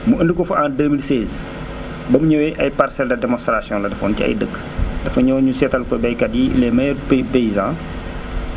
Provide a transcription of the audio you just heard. mu indi ko fa en 2016 ba mu ñëwee ay parcelles de démonstration la defoon ci ay dëkk dafa ñëw ñu seetal ko baykat yi les meilleurs pay paysans